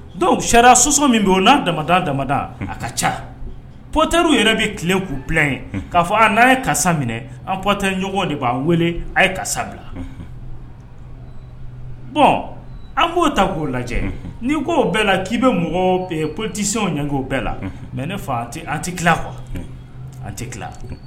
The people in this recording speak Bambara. Dɔw sera sososɔ min bɛ n'a dama damada a ka ca potarw yɛrɛ bɛ tile k'u bila ye k'a fɔ'a ye karisasa minɛ an potaɲɔgɔn de b'an wele a ye karisasa bila bɔn an k'o ta k'o lajɛ ni ko bɛɛ la k'i bɛ mɔgɔw bɛɛ potisew ɲɛ o bɛɛ la mɛ ne fa an tɛ an tɛ ki kɔ an tɛ ki